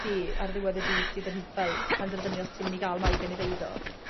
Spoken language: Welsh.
ti ar ddiwedd y dydd sydd yn fel penderfynu os ti myn' i ga'l migraine neu beido.